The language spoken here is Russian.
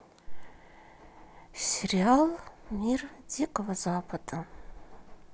сериал мир дикого запада